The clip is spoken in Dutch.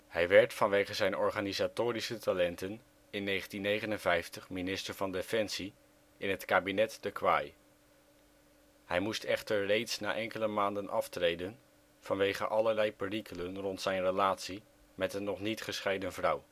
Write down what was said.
Hij werd vanwege zijn organisatorische talenten in 1959 minister van Defensie in het kabinet-De Quay. Hij moest echter reeds na enkele maanden aftreden vanwege allerlei perikelen rond zijn relatie met een nog niet gescheiden vrouw